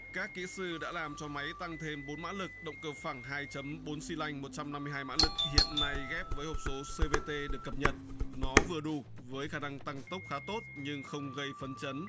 các kỹ sư đã làm cho máy tăng thêm bốn mã lực động cơ phẳng hai chấm bốn xi lanh một trăm năm mươi hai mã lực hiện nay ghép với hộp số xê vê tê được cập nhật nó vừa đủ với khả năng tăng tốc khá tốt nhưng không gây phấn chấn